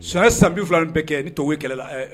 Saya sanbi fila bɛɛ kɛ ni to ye kɛlɛ la